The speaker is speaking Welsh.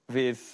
Fydd...